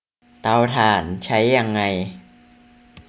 เตาถ่านใช้ยังไง